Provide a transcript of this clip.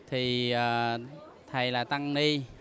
thì ờ thầy là tăng ni